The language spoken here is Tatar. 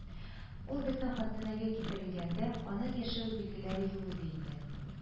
– ул безнең хастаханәгә китерелгәндә, аның яшәү билгеләре юк иде инде